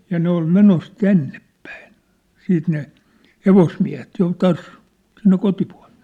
ja ne oli menossa tännepäin siitä ne hevosmiehet jo taas sinne kotipuoleen